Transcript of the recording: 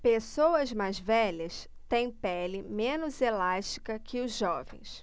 pessoas mais velhas têm pele menos elástica que os jovens